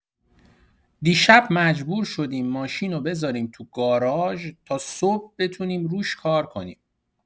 دیشب مجبور شدیم ماشینو بذاریم تو گاراژ تا صبح بتونیم روش کار کنیم.